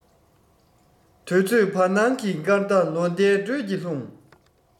དུས ཚོད བར སྣང གི སྐར མདའ ལོ ཟླའི འགྲོས ཀྱིས ལྷུང